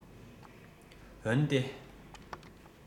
འོན ཏེ